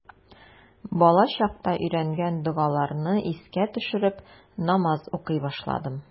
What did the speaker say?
Балачакта өйрәнгән догаларны искә төшереп, намаз укый башладым.